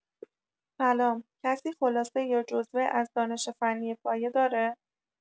سلام، کسی خلاصه یا جزوه از دانش فنی پایه داره؟